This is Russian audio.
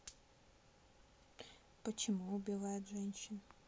почему убивают женщины